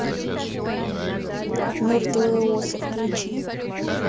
мертвые осы включи